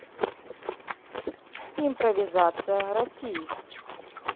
импровизация россии